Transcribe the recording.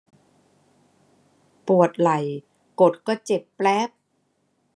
ปวดไหล่กดก็เจ็บแปล๊บ